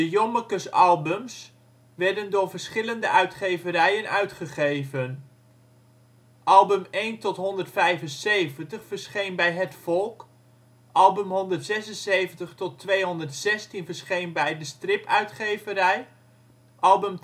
Jommekesalbums werden door verschillende uitgeverijen uitgegeven. Album 1 tot 175 verscheen bij Het Volk. Album 176 tot 216 verscheen bij De Stripuitgeverij. Album